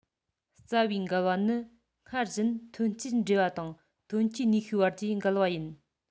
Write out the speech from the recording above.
རྩ བའི འགལ བ ནི སྔར བཞིན ཐོན སྐྱེད འབྲེལ བ དང ཐོན སྐྱེད ནུས ཤུགས བར གྱི འགལ བ ཡིན